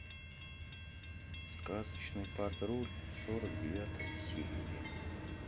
сказочный патруль сорок девятая серия